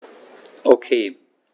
Okay.